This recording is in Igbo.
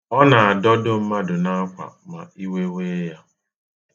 Ọ na-adọdo mmadụ n'akwa ma iwe wee ya.